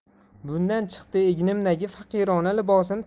bundan chiqdi egnimdagi faqirona libosim